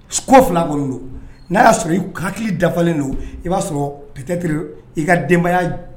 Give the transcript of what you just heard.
Ko filakolon don n'a y'a sɔrɔ i dafalen don i b'a sɔrɔ pte i ka denbayaya